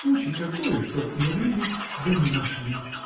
случай какой, чтоб и рыли, да не нашли.